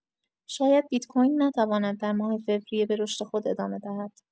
شاید بیت کوین نتواند در ماه فوریه به رشد خود ادامه دهد.